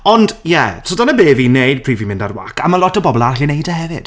Ond, ie, so dyna be fi'n wneud pryd fi'n mynd ar wâc a ma' lot o bobl arall yn wneud e hefyd.